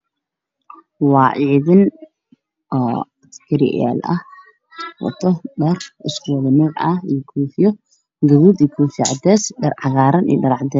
Waa cidan askariyaal ah dharka isku nooc ah io cadees